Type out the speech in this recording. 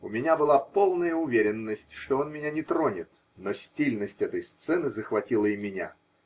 У меня была полная уверенность, что он меня не тронет, но стильность этой сцены захватила и меня.